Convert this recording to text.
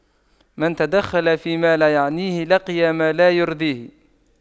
من تَدَخَّلَ فيما لا يعنيه لقي ما لا يرضيه